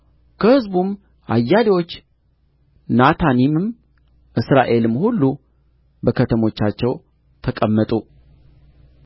ከሕዝቡም አያሌዎቹ ናታኒምም እስራኤልም ሁሉ በከተሞቻቸው ተቀመጡ